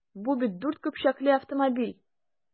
Бу бит дүрт көпчәкле автомобиль!